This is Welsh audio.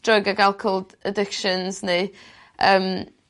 dryg ag alcoohl addictions neu yym